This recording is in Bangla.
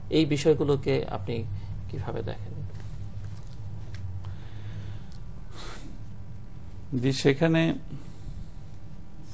এই বিষয়গুলো কে আপনি কিভাবে দেখেন জি সেখানে